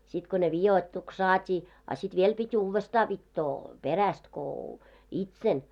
sitten kun ne vidoituksi saatiin a sitten vielä piti uudestaan vitoa perästä kun itsellä